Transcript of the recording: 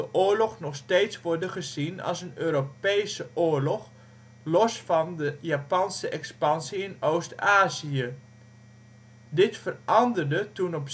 oorlog nog steeds worden gezien als een Europese oorlog, los van de Japanse expansie in Oost-Azië. Dit veranderde toen op